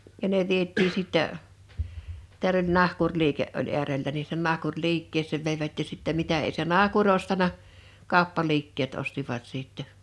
ja ne vietiin sitten täällä oli nahkuriliike oli äärellä niin sinne nahkuriliikkeeseen veivät ja sitten mitä ei se nahkuri ostanut kauppaliikkeet ostivat sitten